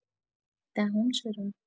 دهم چرا؟